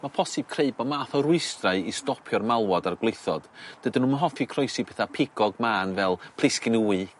Ma' posib creu bo' math o rwystrai i stopio'r malwod a'r gwlithod. Dydyn nw'm yn hoffi croesi petha pigog mân fel plisgyn wy